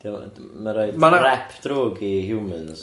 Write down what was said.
Dyma- ma' raid rep drwg i humans.